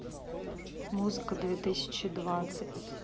музыка две тысячи двадцать